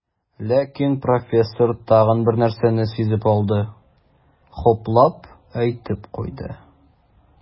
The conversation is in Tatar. Ләкин профессор тагын бер нәрсәне сизеп алды, хуплап әйтеп куйды.